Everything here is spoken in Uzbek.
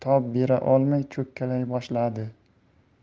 tob bera olmay cho'kkalay boshladi